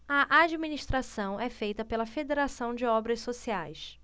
a administração é feita pela fos federação de obras sociais